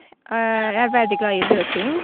Jeg er veldig glad i løping.